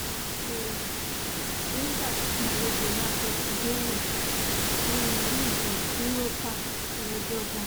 Saájú rẹ̀, Rangers ti gbàlejò Rapid Vienna nínú Líìgì Yuropa lọjọ 'Bọ̀.